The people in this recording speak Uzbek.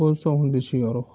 bo'lsa o'n beshi yorug'